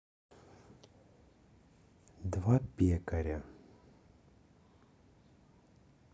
два пекаря